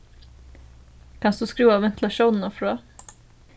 kanst tú skrúva ventilatiónina frá